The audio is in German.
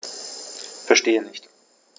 Verstehe nicht.